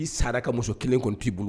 I sara ka muso kelen tun t'i bolo